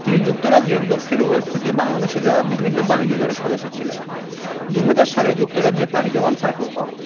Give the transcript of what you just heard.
তিনি যুক্তরাজ্যের দক্ষিণ ওয়েলস থেকে বাংলাদেশে যাওয়া বিভিন্ন বাণিজ্য দলের সদস্য ছিলেন ২০০০ সালে যুক্তরাজ্যে পাড়ি জমান সাইফুল হক